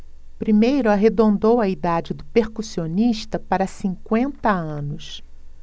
primeiro arredondou a idade do percussionista para cinquenta anos